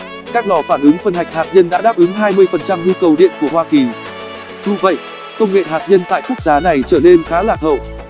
các lò phản ứng phân hạch hạt nhân đã đáp ứng phần trăm nhu cầu điện của hoa kỳ dù vậy công nghệ hạt nhân tại quốc gia này trở nên khá lạc hậu